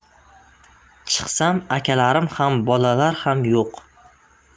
chiqsam akalarim ham bolalar ham yo'q